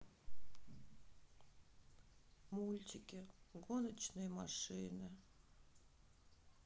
мультики гоночные машины